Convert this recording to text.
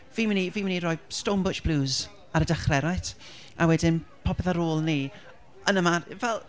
Fi'n mynd i... fi'n mynd i roi Stone Butch Blues ar y dechrau reit? A wedyn popeth ar ôl 'ny, yn y ma- fel...